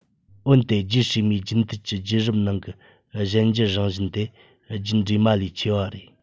འོན ཏེ རྒྱུད བསྲེས མའི རྒྱུན མཐུད ཀྱི རྒྱུད རབས ནང གི གཞན འགྱུར རང བཞིན དེ རྒྱུད འདྲེས མ ལས ཆེ བ རེད